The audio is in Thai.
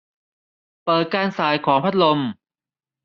เปิดการส่ายของพัดลม